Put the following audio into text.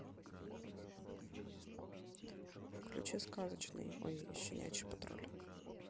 включи сказочный ой щенячий патруль